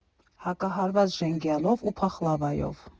Հակահարված ժենգյալով ու փախլավայով։